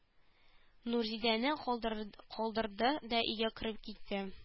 Нурзидәне калдыр калдырды да өйгә кереп китте